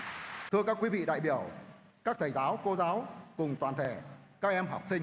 thưa các quý vị đại biểu các thầy giáo cô giáo cùng toàn thể các em học sinh